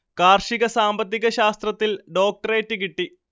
കാർഷിക സാമ്പത്തിക ശാസ്ത്രത്തിൽ ഡോക്ടറേറ്റ് കിട്ടി